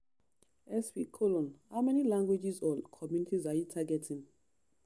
SP: How many languages or communities are you targeting?